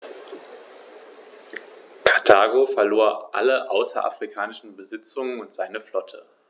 Karthago verlor alle außerafrikanischen Besitzungen und seine Flotte.